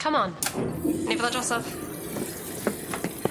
Come on. Ne' fydd o drosodd.